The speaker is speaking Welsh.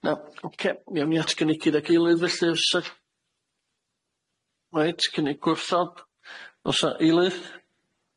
Na? Ocê. Mi awn ni at gynigydd ag eilydd felly. Os 'a- reit cynnig gwrthod, o's 'a eilydd?